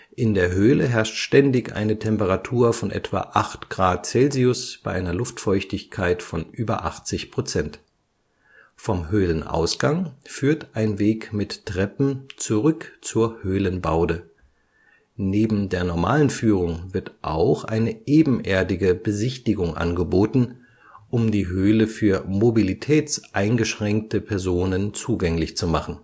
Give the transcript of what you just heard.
In der Höhle herrscht ständig eine Temperatur von etwa acht Grad Celsius bei einer Luftfeuchtigkeit von über 80 Prozent. Vom Höhlenausgang führt ein Weg mit Treppen zurück zur Höhlenbaude. Neben der normalen Führung wird auch eine ebenerdige Besichtigung angeboten, um die Höhle für mobilitätseingeschränkte Personen zugänglich zu machen